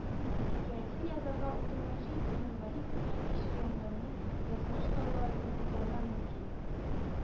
Хикәясен язарга утырганчы тимергали күргән-кичергәннәрне “язмыш таулары” дип атарга мөмкин